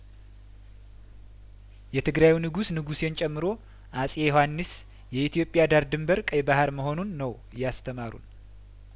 የትግራዩ ንጉስን ጉሴን ጨምሮ አጼ ዮሀንስ የኢትዮጵያ ዳር ድንበር ቀይባህር መሆኑን ነው ያስተማሩን